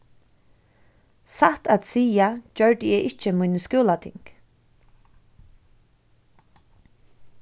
satt at siga gjørdi eg ikki míni skúlating